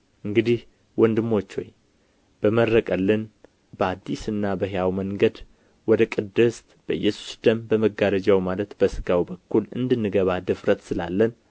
እንግዲህ ወንድሞች ሆይ በመረቀልን በአዲስና በሕያው መንገድ ወደ ቅድስት በኢየሱስ ደም በመጋረጃው ማለት በሥጋው በኩል እንድንገባ ድፍረት ስላለን